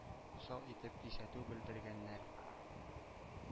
Усал итеп кисәтү белдергәннәр,